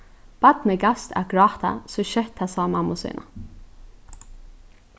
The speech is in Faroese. barnið gavst at gráta so skjótt tað sá mammu sína